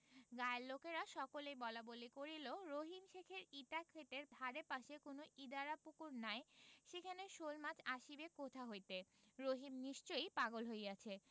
গায়ের লোকেরা সকলেই বলাবলি করিল রহিম শেখের ইটাক্ষেতের ধারে পাশে কোনো ইদারা পুকুর নাই সেখানে শোলমাছ আসিবে কোথা হইতে রহিম নিশ্চয়ই পাগল হইয়াছে